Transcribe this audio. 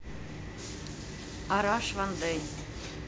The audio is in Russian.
араш ван дей